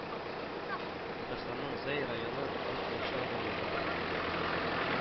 Татарстанның Зәй районы, Дүрт Мунча авылы